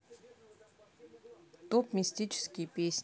топ мистические песни